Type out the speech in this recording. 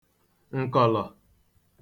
ǹkọ̀lọ̀